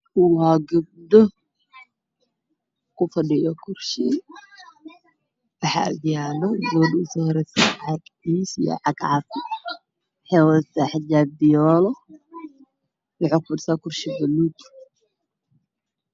Waa gabdho meel fadhiyaan waxay wataan xijaabo madow tijaabo buluug kuraas ayey ku fadhi